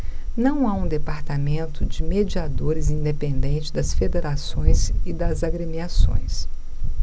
não há um departamento de mediadores independente das federações e das agremiações